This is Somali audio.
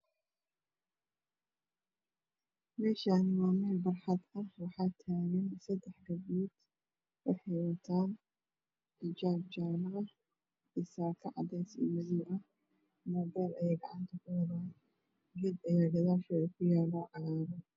Meshani waa meel barxad ah waxaa taagan sadax gabdhood wexey wataan xijaab jaalo ah iyo saako cadees iyo madow mobel aye gacanta ku wadaan geed ayaa gadashoda ku yaalo oo cagaaran